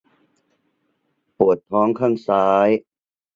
ปวดท้องข้างซ้าย